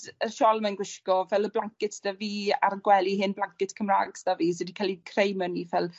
s- y shawl ma'n gwisgo, fel y blancet s'da fi ar 'n gwely hen blancet Cymra'g s'da fi sy 'di ca'l 'i creu mewn i ffel